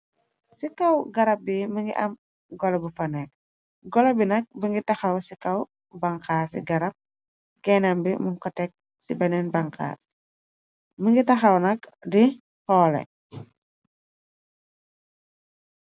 Ci kaw garab bi mungi am goloh bufa neka, goloh bi nak mungi taxaw ci kaw banxaas si garab, gehnam bi munko tek ci benen banxaas, mungi taxaw nak di holeh.